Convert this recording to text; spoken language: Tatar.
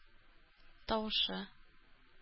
Тавышы